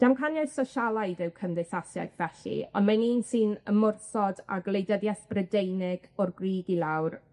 Damcaniaeth sosialaidd yw cymdeithasiaeth felly, on' mae'n un sy'n ymwrthod â gwleidyddieth Brydeinig o'r grug i lawr,